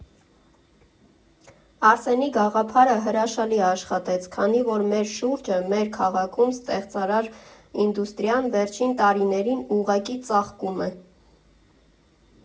Արսենի գաղափարը հրաշալի աշխատեց, քանի որ մեր շուրջը, մեր քաղաքում ստեղծարար ինդուստրիան վերջին տարիներին ուղղակի ծաղկում է։